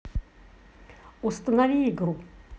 установи игру